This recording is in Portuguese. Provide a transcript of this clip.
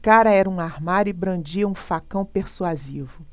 o cara era um armário e brandia um facão persuasivo